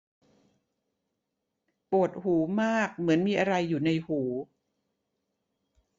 ปวดหูมากเหมือนมีอะไรอยู่ในหู